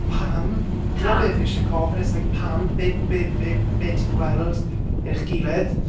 Pam?... Pam? ...Dyna be fi isie gofyn. It’s like pam... be be be ti’n gweld yn eich gilydd?